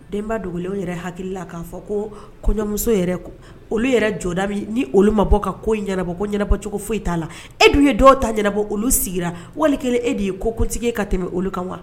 Denba dogolen yɛrɛ hakili la k'a fɔ ko kɔɲɔmuso yɛrɛ olu yɛrɛ jɔda ni olu ma bɔ ka ko ɲɛnabɔ ko ɲɛnabɔcogo foyi t'a la e dun ye dɔw ta ɲɛnabɔ olu sigira wali kɛlen e de ye kokuntigi ka tɛmɛ olu kan wa